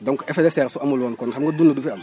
donc effet de serre su amul woon kon xam nga dund du fi am